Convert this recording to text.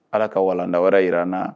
Ala ka walalanda wɛrɛ jira nna